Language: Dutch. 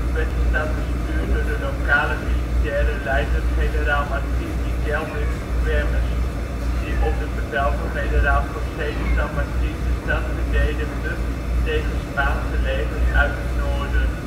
werd de stad bestuurd door de lokale militaite leider generaal Martín Miguel de Güemes, die onder bevel van generaal José de San Martín de stad verdedigde tegen Spaanse legers uit het noorden